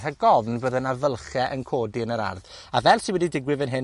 rhag ofn fydda 'na fylche yn codi yn yr ardd, a fel sy wedi digwydd fan hyn,